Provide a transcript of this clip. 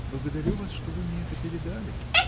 благодарю вас, что вы мне это передали!